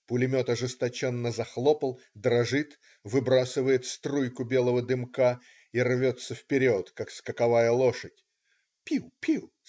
Пулемет ожесточенно захлопал, дрожит, выбрасывает струйку белого дымка и рвется вперед, как скаковая лошадь. Пиу. пиу.